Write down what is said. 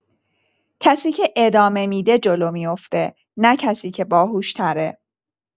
کسی که ادامه می‌ده، جلو می‌افته، نه کسی که باهوش‌تره.